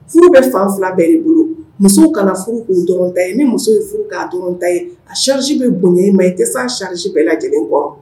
Furu bɛ fan fila bɛɛ de bolo muso kana furu k'u dɔrɔn ta ye ni muso ye furu k'a dɔrɔn ta ye a charge bɛ bonya i ma i tɛ s'a charge bɛɛ lajɛ lajɛlen kɔrɔ